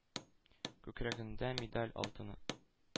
Күкрәгендә медаль алтынлы,